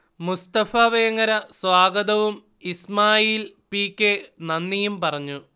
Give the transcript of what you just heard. മുസ്തഫ വേങ്ങര സ്വാഗതവും Ismail P. K. നന്ദിയും പറഞ്ഞു